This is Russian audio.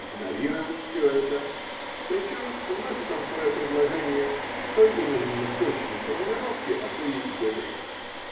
игнорировать все это, причем вносит он свое предложение в той именно сочной формулировке, о коей идет речь.